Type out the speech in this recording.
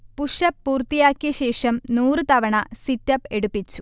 push up പൂർത്തിയാക്കിയ ശേഷം നൂറു തവണ സിറ്റ്അപ് എടുപ്പിച്ചു